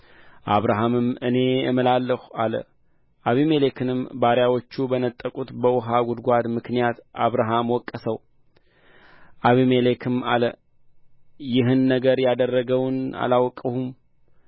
አብርሃምም እኔ እምላለሁ አለ አቢሜሌክንም ባሪያዎቹ በነጠቁት በውኃ ጕድጓድ ምክንያት አብርሃም ወቀሰው አቢሜሌክም አለ ይህን ነገር ያደረገውን አላወቅሁም